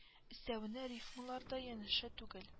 Өстәвенә рифмалар да янәшә түгел